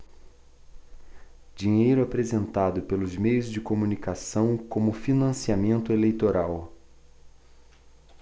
dinheiro apresentado pelos meios de comunicação como financiamento eleitoral